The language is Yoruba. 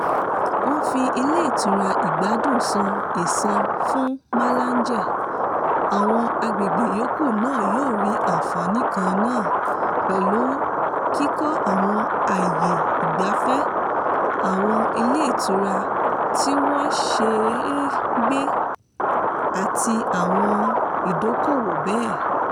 Wọ́n fi ilé ìtura ìgbádùn "san ẹ̀san" fún Malanje, àwọn agbègbè yòókù náà yóò rí àǹfààní kannáà, pẹ̀lú kíkọ́ àwọn ààyè ìgbafẹ́, àwọn ilé ìtura tí wọ́n ṣeé gbé, àti àwọn ìdókowò bẹ́ẹ̀.